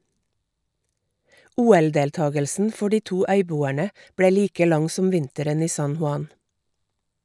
OL-deltagelsen for de to øyboerne ble like lang som vinteren i San Juan.